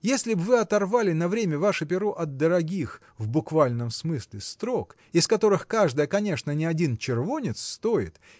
если б вы оторвали на время ваше перо от дорогих в буквальном смысле строк из которых каждая конечно не один червонец стоит